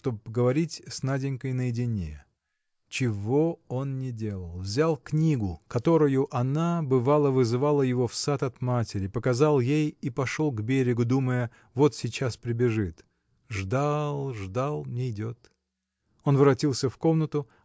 чтобы поговорить с Наденькой наедине. Чего он не делал? Взял книгу которою она бывало вызывала его в сад от матери показал ей и пошел к берегу думая вот сейчас прибежит. Ждал, ждал – нейдет. Он воротился в комнату.